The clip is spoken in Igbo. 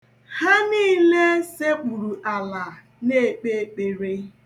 Ha niile sekpuru ala na-ekpe ekpere.